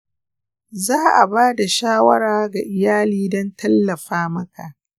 za a ba da shawara ga iyali don tallafa maka.